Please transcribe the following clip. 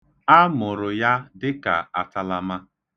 A mụrụ ya dịka atalama.